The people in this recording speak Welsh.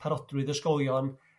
parodrwydd ysgolion